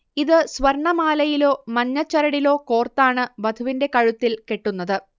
ഇത് സ്വർണമാലയിലോ മഞ്ഞച്ചരടിലോ കോർത്താണ് വധുവിന്റെ കഴുത്തിൽ കെട്ടുന്നത്